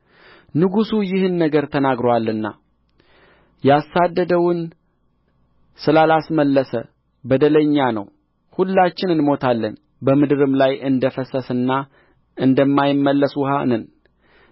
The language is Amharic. ንጉሡ ይህን ነገር ተናግሮአልና ያሳደደውን ስላላስመለሰ በደለኛ ነው ሁላችን እንሞታለን በምድርም ላይ እንደ ፈሰሰና እንደማይመለስ ውኃ ነን